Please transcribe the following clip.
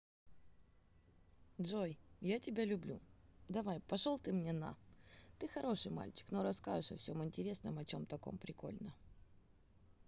джой я тебя люблю давай пошел ты мне на ты хороший мальчик но расскажешь о всем интересном о чем таком прикольно